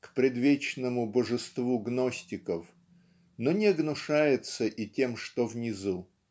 к предвечному божеству гностиков но не гнушается и тем что внизу.